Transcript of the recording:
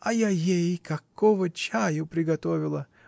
— А я ей какого чаю приготовила!